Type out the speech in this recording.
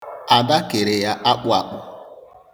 Ada kere ya akpụ akpụ.